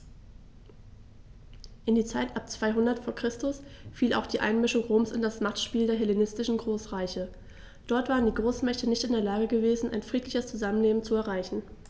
In die Zeit ab 200 v. Chr. fiel auch die Einmischung Roms in das Machtspiel der hellenistischen Großreiche: Dort waren die Großmächte nicht in der Lage gewesen, ein friedliches Zusammenleben zu erreichen.